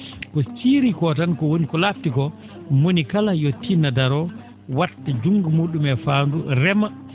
ko ciiri ko tan ko woni ko la?ti koo mo woni kala yo tinno daroo watta juutngo mu?um e faandu rema